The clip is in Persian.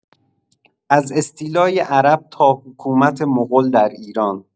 از استیلای عرب تا حکومت مغول در ایران